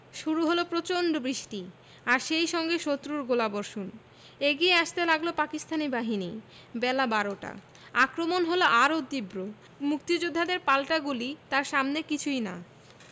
শুরু হলো প্রচণ্ড বৃষ্টি আর সেই সঙ্গে শত্রুর গোলাবর্ষণ এগিয়ে আসতে লাগল পাকিস্তানি বাহিনী বেলা বারোটা আক্রমণ হলো আরও তীব্র মুক্তিযোদ্ধাদের পাল্টা গুলি তার সামনে কিছুই না